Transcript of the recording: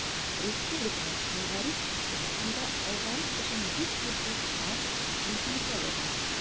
Республиканың мәгариф системасында алгарыш өчен бик көчле старт мөмкинлекләре бар.